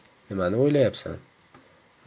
nimani o'ylayapsan